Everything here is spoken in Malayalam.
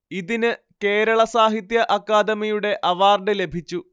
ഇതിന് കേരള സാഹിത്യ അക്കാദമിയുടെ അവാർഡ് ലഭിച്ചു